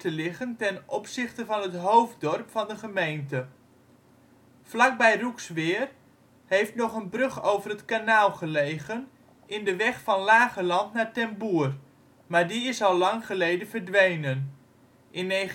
liggen ten opzichte van het hoofddorp van de gemeente. Vlakbij Roeksweer heeft nog een brug over het kanaal gelegen, in de weg van Lageland naar Ten Boer, maar die is al lang geleden verdwenen (In 1950